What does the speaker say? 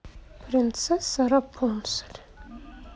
принцесса рапунцель